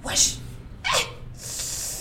Baasi